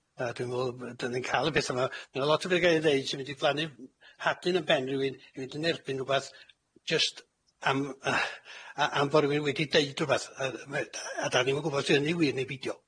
A dwi'n me'wl bo' 'dan ni'n ca'l y petha 'ma... Ma' 'na lot o be' 'n ga'l 'i ddeud sy mynd i blannu m- hadyn yn ben rywun i fynd yn erbyn rwbath jyst am yy a- am bo' rywun wedi deud rwbath. Yy ma'... A- a 'dan ni'm yn gwbo' os 'di hynny'n wir neu beidio.